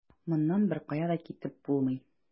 Моннан беркая да китеп булмый.